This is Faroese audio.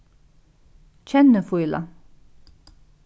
kennifíla